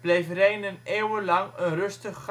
bleef Rhenen eeuwenlang een rustig